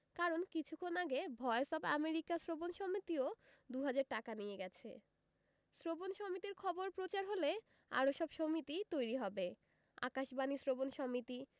কারণ কিছুক্ষণ আগে ভয়েস অব আমেরিকা শ্রবণ সমিতিও দু হাজার টাকা নিয়ে গেছে শ্রবণ সমিতির খবর প্রচার হলে আরো সব সমিতি তৈরি হবে আকাশবাণী শ্রবণ সমিতি